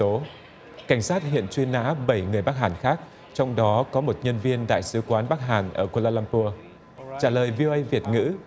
tố cảnh sát hiện truy nã bảy người bất hạnh khác trong đó có một nhân viên đại sứ quán bắc hàn ở ku la lăm bua trả lời việt việt ngữ